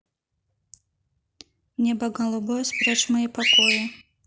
небо голубое спрячь мои покои